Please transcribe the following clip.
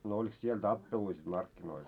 no oliko siellä tappeluita sitten markkinoilla